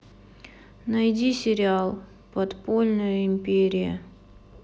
найди сериал подпольная империя